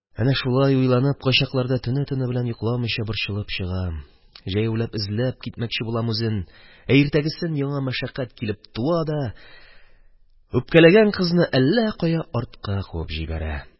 Әнә шулай уйланып, кайчакларда төне-төне белән йокламыйча борчылып чыгам, җәяүләп эзләп китмәкче булам үзен, ә иртәгесен яңа мәшәкать килеп туа да үпкәләгән кызны әллә кая, артка куып җибәрә.